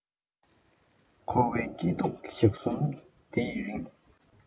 འཁོར བའི སྐྱིད སྡུག ཞག གསུམ འདི ཡི རིང